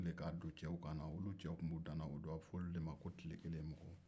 ni k'a don cɛw kan na olu cɛw tun bɛ o dama a bɛ fɔ olu de man ko tile kelen mɔgɔw